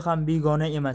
ham begona emas